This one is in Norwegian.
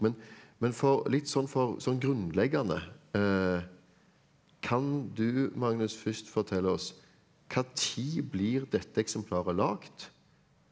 men men for litt sånn for sånn grunnleggende kan du Magnus først fortelle oss hvilken tid blir dette eksemplaret laget?